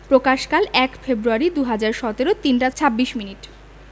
প্রকাশকালঃ ০১ February ২০১৭ ৩টা ২৬ minute